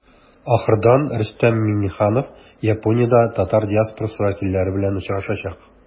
Ахырдан Рөстәм Миңнеханов Япониядә татар диаспорасы вәкилләре белән очрашачак.